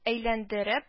Әйләндереп